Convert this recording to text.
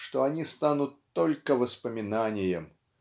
что они станут только воспоминанием